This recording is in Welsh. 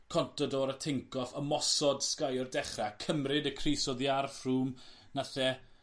Contador a Tinkoff ymosod Sky o'r dechre a cymryd y crys oddi ar Froome nath e